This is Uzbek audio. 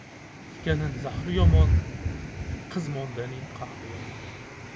gul tikanin zahri yomon qizmondaning qahri yomon